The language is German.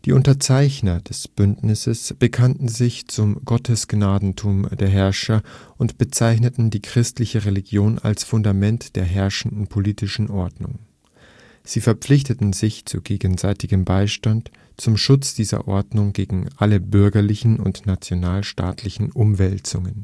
Unterzeichner des Bündnisses bekannten sich zum Gottesgnadentum der Herrscher und bezeichneten die christliche Religion als Fundament der herrschenden politischen Ordnung. Sie verpflichteten sich zu gegenseitigem Beistand zum Schutz dieser Ordnung gegen alle bürgerlichen und nationalstaatlichen Umwälzungen